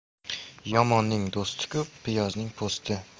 yomonning do'sti ko'p piyozning po'sti